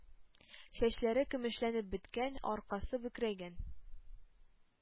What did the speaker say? Чәчләре көмешләнеп беткән, аркасы бөкрәйгән,